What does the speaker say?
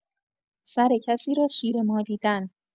سر کسی را شیره مالیدن